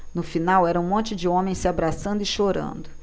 no final era um monte de homens se abraçando e chorando